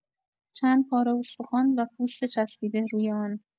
چند پاره استخوان و پوست چسبیده روی آن.